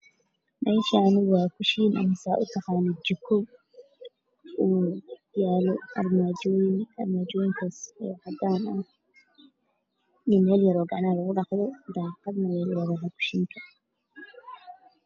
Meeshaan waa jiko waxaa yaalo armaajooyin cadaan ah iyo meel gacmaha lugu dhaqdo iyo daaqad.